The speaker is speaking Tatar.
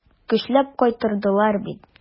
Көчләп кайтардылар бит.